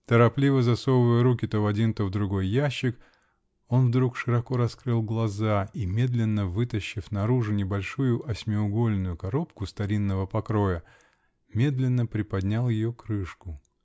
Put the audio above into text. Торопливо засовывая руки то в один, то в другой ящик, он вдруг широко раскрыл глаза и, медленно вытащив наружу небольшую осьмиугольную коробку старинного покроя, медленно приподнял ее крышку.